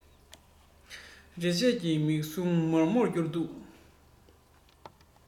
རེ ཆད ཀྱི མིག ཟུང མོག པོར གྱུར འདུག